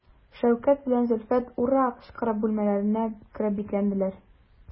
Шәүкәт белән Зөлфәт «ура» кычкырып бүлмәләренә кереп бикләнделәр.